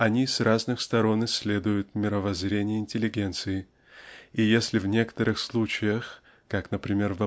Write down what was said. они с разных сторон исследуют мировоззрение интеллигенции и если в некоторых случаях как например